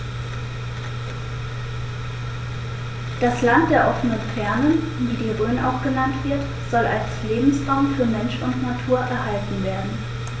Das „Land der offenen Fernen“, wie die Rhön auch genannt wird, soll als Lebensraum für Mensch und Natur erhalten werden.